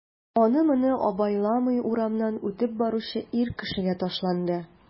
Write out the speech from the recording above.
Аны-моны абайламый урамнан үтеп баручы ир кешегә ташланды...